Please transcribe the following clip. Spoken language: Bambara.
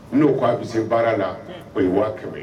N'o ko a bɛ se baara la o ye waa kɛ ye